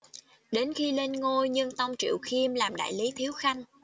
đến khi lên ngôi nhân tông triệu khiêm làm đại lý thiếu khanh